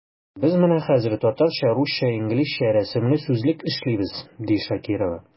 Без менә хәзер “Татарча-русча-инглизчә рәсемле сүзлек” эшлибез, ди Шакирова.